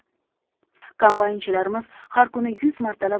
kombaynchilarimiz har kuni yuz martalab